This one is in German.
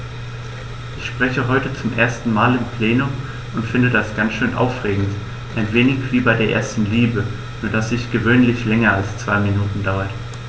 Ich spreche heute zum ersten Mal im Plenum und finde das ganz schön aufregend, ein wenig wie bei der ersten Liebe, nur dass die gewöhnlich länger als zwei Minuten dauert.